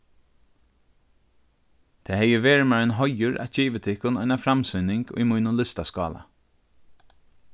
tað hevði verið mær ein heiður at givið tykkum eina framsýning í mínum listaskála